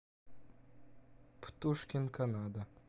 птушкин канада